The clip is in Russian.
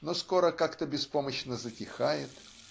но скоро как-то беспомощно затихает